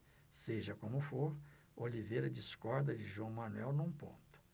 seja como for oliveira discorda de joão manuel num ponto